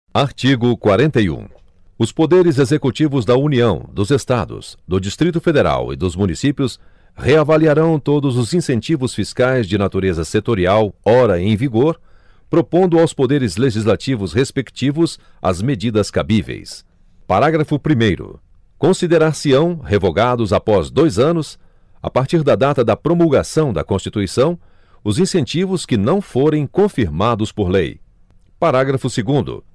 artigo quarenta e um os poderes executivos da união dos estados do distrito federal e dos municípios reavaliarão todos os incentivos fiscais de natureza setorial ora em vigor propondo aos poderes legislativos respectivos as medidas cabíveis parágrafo primeiro considerar se ão revogados após dois anos a partir da data da promulgação da constituição os incentivos que não forem confirmados por lei parágrafo segundo